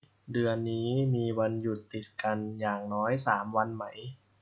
เดือนนี้มีวันหยุดติดกันอย่างน้อยสามวันไหม